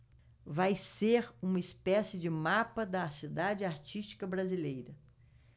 vai ser uma espécie de mapa da cidade artística brasileira